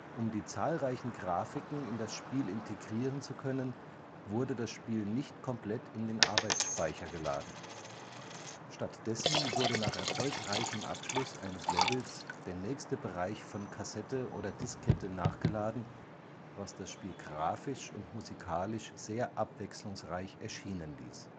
Um die zahlreichen Grafiken in das Spiel integrieren zu können, wurde das Spiel nicht komplett in den Arbeitsspeicher geladen. Stattdessen wurde nach erfolgreichem Abschluss eines Levels der nächste Bereich von Kassette oder Diskette nachgeladen, was das Spiel grafisch und musikalisch sehr abwechslungsreich erscheinen ließ